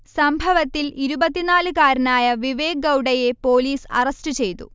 സംഭവത്തിൽ ഇരുപത്തിനാല് കാരനായ വിവേക് ഗൗഡ യെ പൊലീസ് അറസ്റ്റ് ചെയ്തു